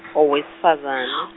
o wesifazane.